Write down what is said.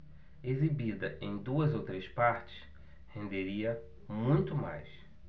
exibida em duas ou três partes renderia muito mais